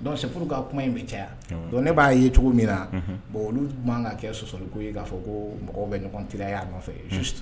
dɔnkuc seuru ka kuma in bɛ caya dɔn ne b'a ye cogo min na bon olu ka kɛ sɔsɔliko ye k'a fɔ ko mɔgɔw bɛ ɲɔgɔn tɛ y'a fɛ